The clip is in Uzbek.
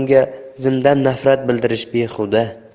odamga zimdan nafrat bildirish behuda